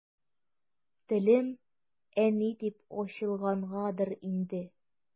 Телем «әни» дип ачылгангадыр инде.